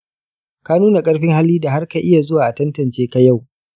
ka nuna karfin hali da har ka iya zuwa a tantanceka yau.